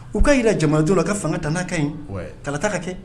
U ka jira jamanadenw la, u ka fanga ta n'a ka ɲi ta taa ka kɛ